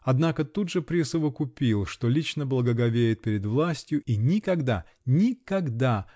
Однако тут же присовокупил, что лично благоговеет перед властью и никогда. никогда!.